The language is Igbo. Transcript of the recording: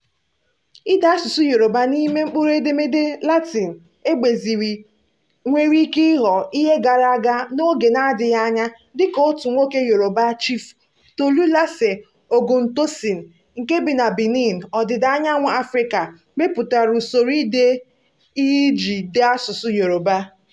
Ide asụsụ Yorùbá n'ime mkpụrụedemede Latin e gbaziri nwere ike ịghọ ihe gara aga n'oge na-adịghị anya dịka otu nwoke Yorùbá , Chief Tolúlàṣe Ògúntósìn, nke bi na Benin, Ọdịda Anyanwụ Afrịka, mepụtara usoro ide ihe iji dee asụsụ Yorùbá .